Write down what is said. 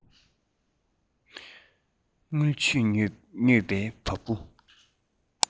རྔུལ ཆུས མྱོས པའི བ སྤུ